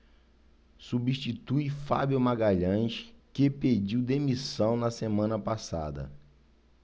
substitui fábio magalhães que pediu demissão na semana passada